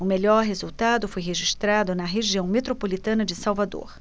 o melhor resultado foi registrado na região metropolitana de salvador